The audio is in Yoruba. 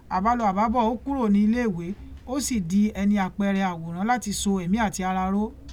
Àbálọ àbábọ̀, ó kúrò ní ilé ìwé, ó sì di ẹni àpẹẹrẹ àwòrán láti so ẹ̀mí àti ara ró.